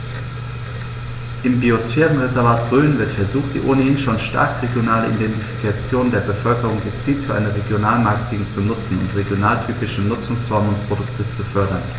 Im Biosphärenreservat Rhön wird versucht, die ohnehin schon starke regionale Identifikation der Bevölkerung gezielt für ein Regionalmarketing zu nutzen und regionaltypische Nutzungsformen und Produkte zu fördern.